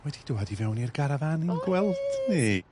wedi dŵad i fewn i'r garafan i'n gweld ni.